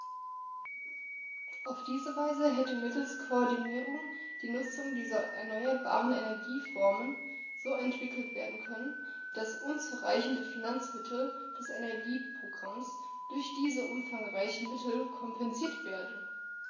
Auf diese Weise hätte mittels Koordinierung die Nutzung dieser erneuerbaren Energieformen so entwickelt werden können, dass unzureichende Finanzmittel des Energieprogramms durch diese umfangreicheren Mittel kompensiert werden.